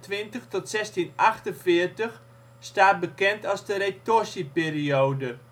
1629 tot 1648 staat bekend als de retorsieperiode